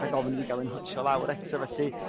Rhag ofn i fi ga'l 'yn hitio lawr eto felly